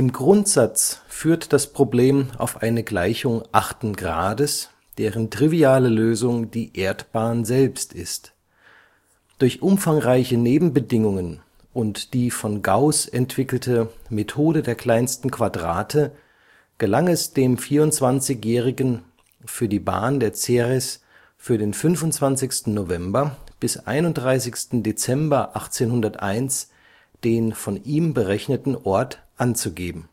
Grundsatz führt das Problem auf eine Gleichung achten Grades, deren triviale Lösung die Erdbahn selbst ist. Durch umfangreiche Nebenbedingungen und die von Gauß entwickelte Methode der kleinsten Quadrate gelang es dem 24-Jährigen, für die Bahn der Ceres für den 25. November bis 31. Dezember 1801 den von ihm berechneten Ort anzugeben